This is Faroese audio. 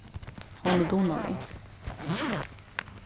hon er dugnalig